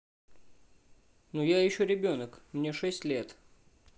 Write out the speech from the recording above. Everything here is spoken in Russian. ну я еще ребенок мне шесть лет